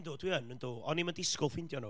Yndw, dwi yn, yndw o'n i'm yn disgwyl ffeindio nhw.